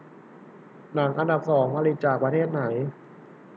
หนังอันดับสองผลิตจากประเทศไหน